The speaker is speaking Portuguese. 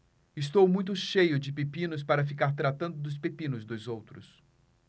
estou muito cheio de pepinos para ficar tratando dos pepinos dos outros